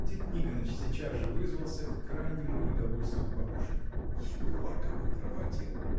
Тит Никоныч сейчас же вызвался, к крайнему неудовольствию бабушки. — Егорка бы проводил!